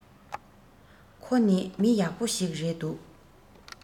ཁོ ནི མི ཡག པོ ཞིག རེད འདུག